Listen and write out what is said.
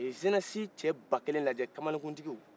a ye jeunesse cɛ bakelen lajɛ kamalenkuntigiw